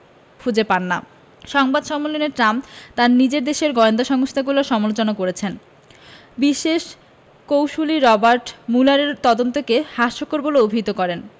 খুঁজে পান না সংবাদ সম্মেলনে ট্রাম্প তাঁর নিজ দেশের গোয়েন্দা সংস্থাগুলোর সমালোচনা করেছেন বিশেষ কৌঁসুলি রবার্ট ম্যুলারের তদন্তকে হাস্যকর বলে অভিহিত করেন